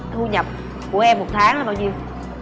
thu nhập của em một tháng là bao nhiêu